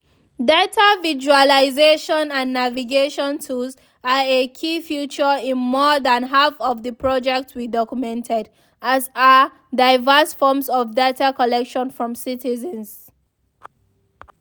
Data visualization and navigation tools are a key feature in more than half of the projects we documented, as are diverse forms of data collection from citizens.